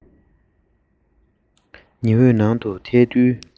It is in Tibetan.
ཉི འོད ནང དུ ཐལ རྡུལ